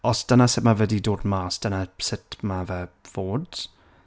Os dyna sut ma' fe 'di dod mas, dyna sut ma' fe fod.